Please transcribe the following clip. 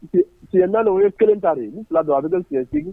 Si naani o ye kelen tari fila don a bɛ siyɛnsin